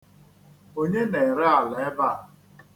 Onye na-ere ala ebe a?